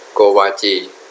โกวาจี